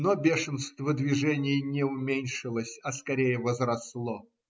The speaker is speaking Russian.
Но бешенство движений не уменьшилось, а скорее возросло.